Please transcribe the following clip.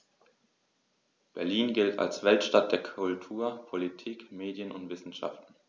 Berlin gilt als Weltstadt der Kultur, Politik, Medien und Wissenschaften.